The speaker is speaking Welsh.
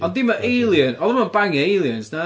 Ond dim y alien... oedd o'm yn bangio aliens na?